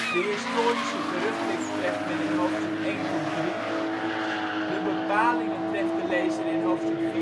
de historische terugblik treft men in hoofdstuk 1-3; de bepalingen treft de lezer in hoofdstuk